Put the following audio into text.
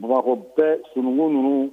Bamakɔ bɛ sunkun ninnu